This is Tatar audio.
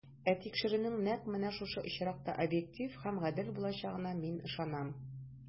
Ә тикшерүнең нәкъ менә шушы очракта объектив һәм гадел булачагына мин ышанам.